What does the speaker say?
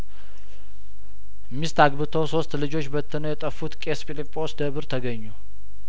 ሚስት አግብተው ሶስት ልጆችበት ነው የጠፉት ቄስ ፊሊጶስ ደብር ተገኙ